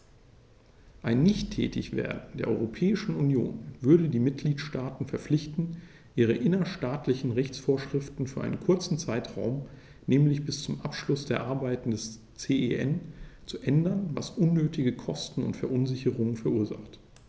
Ein Nichttätigwerden der Europäischen Union würde die Mitgliedstaten verpflichten, ihre innerstaatlichen Rechtsvorschriften für einen kurzen Zeitraum, nämlich bis zum Abschluss der Arbeiten des CEN, zu ändern, was unnötige Kosten und Verunsicherungen verursacht.